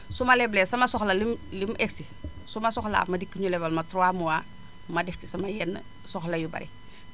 su ma leblee sama soxla li mu li mu egsi su ma soxlaa ma dikk ñu lebal ma 3 mois ma def ci sama yenn soxla yu bari